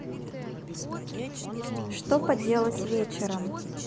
что поделать вечером